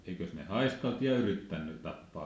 eikös ne haaskalta ja yrittänyt tappaa